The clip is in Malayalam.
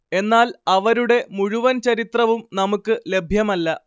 എന്നാൽ അവരുടെ മുഴുവൻ ചരിത്രവും നമുക്ക് ലഭ്യമല്ല